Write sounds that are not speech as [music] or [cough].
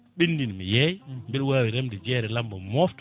ɓennina mi yeeya [smacks lips] mbiɗa wawi remde jeere lamba mi mofta